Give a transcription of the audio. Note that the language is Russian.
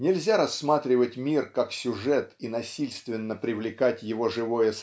Нельзя рассматривать мир как сюжет и насильственно привлекать его живо?